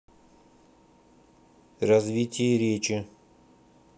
развитие речи